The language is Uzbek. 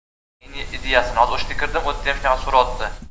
o'sha lattadan kam joyim bormi